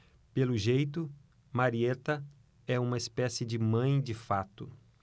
pelo jeito marieta é uma espécie de mãe de fato